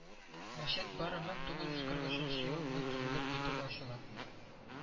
Мәчет бары бер мең тугыз йөз кырык өченче елны төзелеп бетеп ачыла